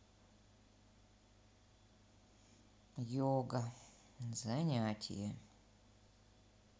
йога занятие